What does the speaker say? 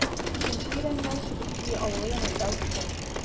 Икенче өйрәнүләр Шебекиио авылы янында үтте.